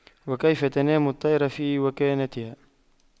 وكيف تنام الطير في وكناتها